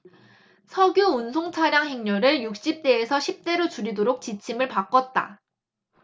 석유 운송차량 행렬을 육십 대에서 십 대로 줄이도록 지침을 바꿨다